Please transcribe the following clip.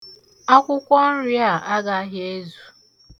Akwụkwọnri a agaghị ezu.